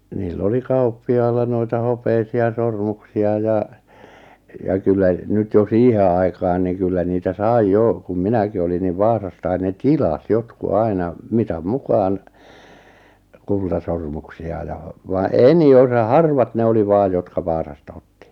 niillä oli kauppiailla noita hopeisia sormuksia ja ja kyllä nyt jo siihen aikaan niin kyllä niitä sai jo kun minäkin olin niin Vaasasta ne tilasi jotkut aina mitan mukaan kultasormuksia ja vaan enin osa harvat ne oli vain jotka Vaasasta otti